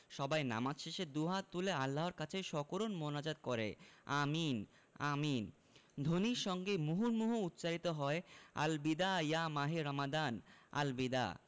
সবাই নামাজ শেষে দুহাত তুলে আল্লাহর কাছে সকরুণ মোনাজাত করে আমিন আমিন ধ্বনির সঙ্গে মুহুর্মুহু উচ্চারিত হয় আল বিদা ইয়া মাহে রমাদান আল বিদা